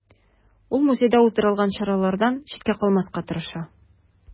Ул музейда уздырылган чаралардан читтә калмаска тырыша.